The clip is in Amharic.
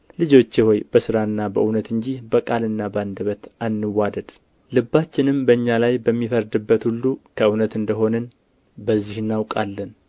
ልጆቼ ሆይ በሥራና በእውነት እንጂ በቃልና በአንደበት አንዋደድ ልባችንም በእኛ ላይ በሚፈርድበት ሁሉ ከእውነት እንደ ሆንን በዚህ እናውቃለን